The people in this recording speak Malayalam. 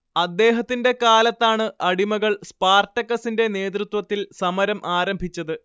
അദ്ദേഹത്തിന്റെ കാലത്താണ് അടിമകൾ സ്പാർട്ടക്കസിന്റെ നേതൃത്വത്തിൽ സമരം ആരംഭിച്ചത്